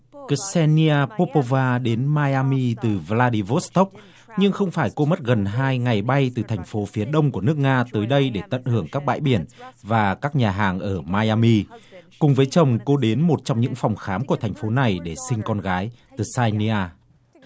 cơ sen ni a bốp bô va và đến mai a mi từ vờ la đi vốt tốc nhưng không phải cô mất gần hai ngày bay từ thành phố phía đông của nước nga tới đây để tận hưởng các bãi biển và các nhà hàng ở mai a mi cùng với chồng cô đến một trong những phòng khám của thành phố này để sinh con gái tơ sai mi a